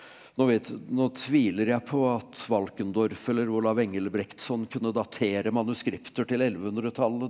nå vet nå tviler jeg på at Valkendorf eller Olav Engelbrektsson kunne datere manuskripter til ellevehundretallet.